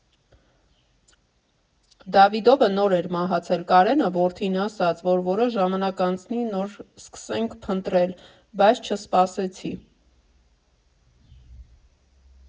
Դավիդովը նոր էր մահացել, Կարենը՝ որդին, ասաց, որ որոշ ժամանակ անցնի՝ նոր սկսենք փնտրել, բայց չսպասեցի։